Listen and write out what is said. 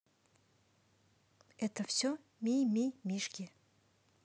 это все ми ми мишки